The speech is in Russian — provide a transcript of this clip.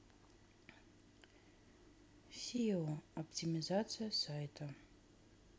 seo оптимизация сайта